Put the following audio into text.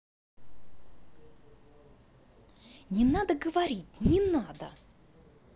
не надо говорить не надо